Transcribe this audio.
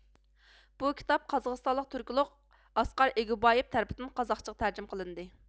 بۇ كىتاب قازاقىستانلىق تۈركولوگ ئاسقار ئېگېۋبايېۋ تەرىپىدىن قازاقچىغا تەرجىمە قىلىندى